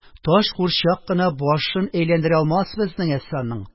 «таш курчак кына башын әйләндерә алмас безнең әсфанның...